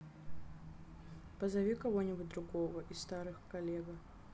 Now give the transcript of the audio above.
позови кого нибудь другого из старых коллега